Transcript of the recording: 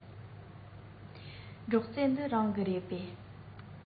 སྒྲོག རྩེ འདི རང གི རེད པས